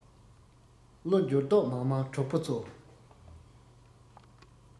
བློ འགྱུར ལྡོག མ མང གྲོགས པོ ཚོ